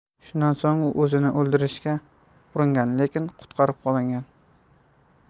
shundan so'ng u o'zini o'ldirishga uringan lekin qutqarib qolingan